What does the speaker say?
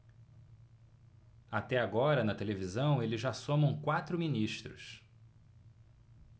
até agora na televisão eles já somam quatro ministros